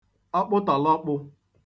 ọkpụtọ̀lọkpụ̄